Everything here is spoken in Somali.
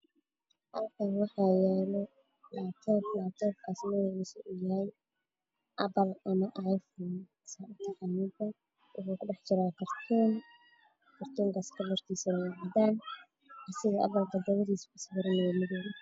Halkaan waxaa yaalo laabtoob oo ah abal ama ayfoon waxuu kujiraa kartoon cadaan ah. Dabadiisa dambe waa madow.